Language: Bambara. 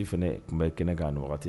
Sidi fana tun bɛ kɛnɛ kan nin wagati